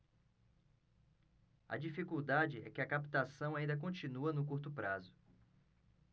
a dificuldade é que a captação ainda continua no curto prazo